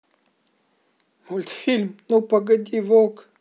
мультфильм ну погоди волк